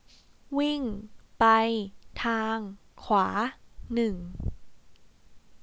วิ่งไปทางขวาหนึ่ง